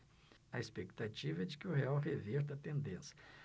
a expectativa é de que o real reverta a tendência